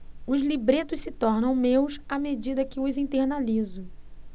os libretos se tornam meus à medida que os internalizo